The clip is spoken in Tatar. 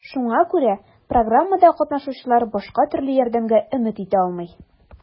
Шуңа күрә программада катнашучылар башка төрле ярдәмгә өмет итә алмый.